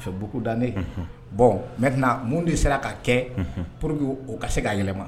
Buurukudnen bɔn mɛt mun de sera k ka kɛ pur o ka se k'a yɛlɛma ma